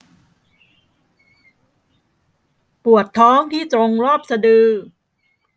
ปวดท้องที่ตรงรอบสะดือ